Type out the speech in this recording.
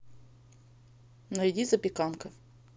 найди запеканка